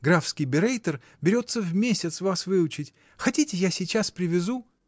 графский берейтор берется в месяц вас выучить — хотите, я сейчас привезу.